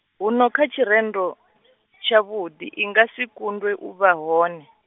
huno kha tshirendo , tshavhuḓi i nga si kundwe u vha hone.